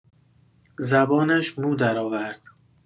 زبانش مو درآورد